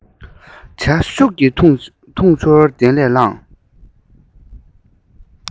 སྐབས དེར ཨ མ དང གཅེན གཅུང